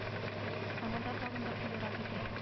Ә монда тагын да куерак иде